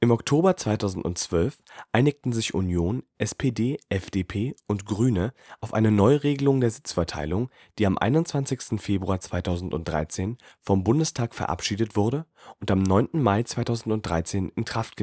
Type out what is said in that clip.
Oktober 2012 einigten sich Union, SPD, FDP und Grüne auf eine Neuregelung der Sitzverteilung, die am 21. Februar 2013 vom Bundestag verabschiedet wurde und am 9. Mai 2013 in Kraft